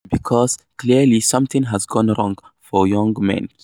Because clearly something has gone wrong for young men.'